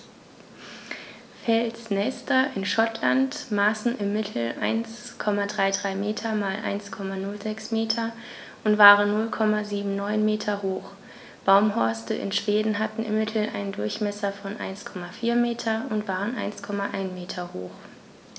Felsnester in Schottland maßen im Mittel 1,33 m x 1,06 m und waren 0,79 m hoch, Baumhorste in Schweden hatten im Mittel einen Durchmesser von 1,4 m und waren 1,1 m hoch.